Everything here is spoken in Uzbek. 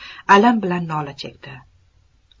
alam bilan nola chekdi